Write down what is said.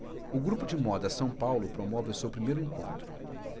o grupo de moda são paulo promove o seu primeiro encontro